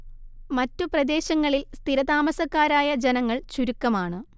മറ്റു പ്രദേശങ്ങളിൽ സ്ഥിരതാമസക്കാരായ ജനങ്ങൾ ചുരുക്കമാണ്